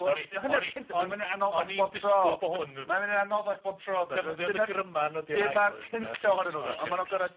Wel yr hanner cynta o'n i'n disgwl bo hwn yn... Mae'n myn' yn anoddach bob tro defnyddia dy gryman . Dyma'r cynta ohonyn nw a ma' nw gorod